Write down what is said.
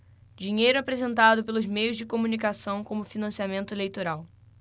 dinheiro apresentado pelos meios de comunicação como financiamento eleitoral